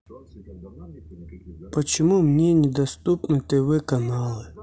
почему мне недоступны тв каналы